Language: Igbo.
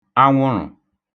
anwụṙụ̀